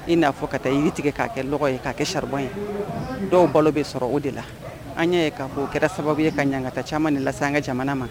I n'a fɔ ka taa yiri tigɛ ka'a kɛ dɔgɔ ye k kaa kɛ s ye dɔw balo bɛ sɔrɔ o de la an'a ka bɔ kɛra sababu ye ka ɲ ka taa c caman ni lase an ka jamana ma